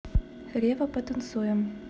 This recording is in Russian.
рева потанцуем